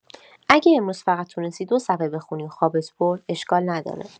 اگه امروز فقط تونستی دو صفحه بخونی و خوابت برد، اشکال نداره.